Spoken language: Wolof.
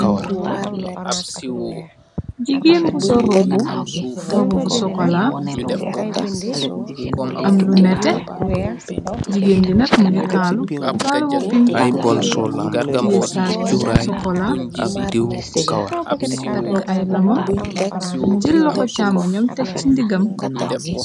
Jigeen bu sol robbu, rob bu sokola am lu nete. Jigéen gi nak mungi kaalu, kaalu bu pink tiyesaag bu sokola takk ay lamam. Jël laho chàmon nyan teg ci ndiggam.